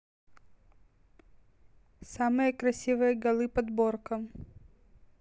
самые красивые голы подборка